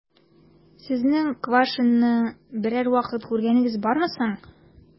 Сезнең Квашнинны берәр вакыт күргәнегез бармы соң?